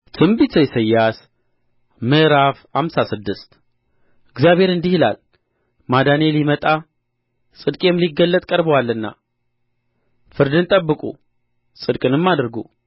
ትንቢተ ኢሳይያስ ምዕራፍ ሃምሳ ስድስት እግዚአብሔር እንዲህ ይላል ማዳኔ ሊመጣ ጽድቄም ሊገለጥ ቀርቦአልና ፍርድን ጠብቁ ጽድቅንም አድርጉ